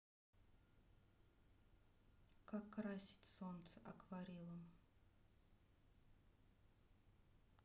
как красить солнце акварилом